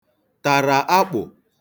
tàrà akpụ